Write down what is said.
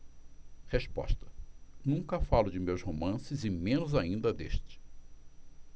resposta nunca falo de meus romances e menos ainda deste